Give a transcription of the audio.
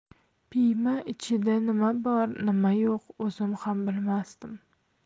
piyma ichida nima bor nima yo'q o'zim ham bilmasdim